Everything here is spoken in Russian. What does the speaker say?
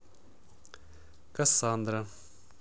кассандра